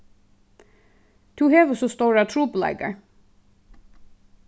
tú hevur so stórar trupulleikar